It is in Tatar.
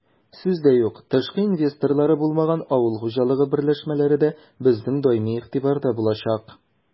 Сүз дә юк, тышкы инвесторлары булмаган авыл хуҗалыгы берләшмәләре дә безнең даими игътибарда булачак.